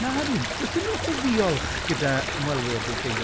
Nadyn, does dim lot o ddiolch gyda ymwelwyr dwi'n ffeindio.